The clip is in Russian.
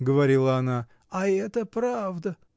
— говорила она, — а это правда!